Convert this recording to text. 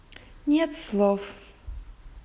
нет слов